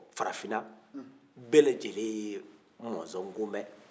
farafinna bɛɛ lajɛlen ye mɔzɔn ko mɛn